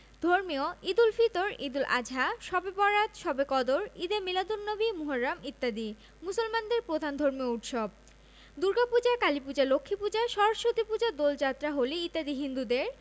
ধর্মীয় ঈদুল ফিত্ র ঈদুল আযহা শবে বরআত শবে কদর ঈদে মীলাদুননবী মুহররম ইত্যাদি মুসলমানদের প্রধান ধর্মীয় উৎসব দুর্গাপূজা কালীপূজা লক্ষ্মীপূজা সরস্বতীপূজা দোলযাত্রা হোলি ইত্যাদি হিন্দুদের